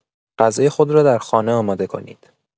غذای خود را در خانه آماده کنید.